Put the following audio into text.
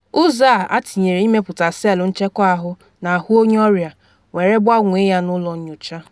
Ụzọ a tinyere ịmịpụta selụ nchekwa ahụ n’ahụ onye ọrịa, were gbanwee ya n’ụlọ nyocha